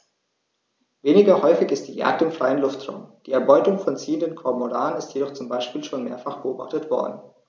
Weniger häufig ist die Jagd im freien Luftraum; die Erbeutung von ziehenden Kormoranen ist jedoch zum Beispiel schon mehrfach beobachtet worden.